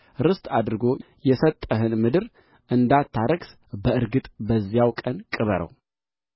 ርስት አድርጎ የሰጠህን ምድር እንዳታረክስ በእርግጥ በዚያው ቀን ቅበረው